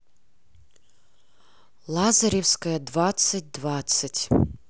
лазаревское двадцать двадцать